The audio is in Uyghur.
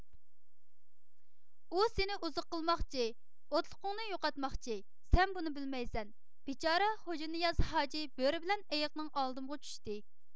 ئۇ سېنى ئوزۇق قىلماقچى ئوتلۇقۇڭنى يوقاتماقچى سەن بۇنى بىلمەيسەن بىچارە غوجانىياز ھاجى بۆرە بىلەن ئېيىقنىڭ ئالدىمىغا چۈشتى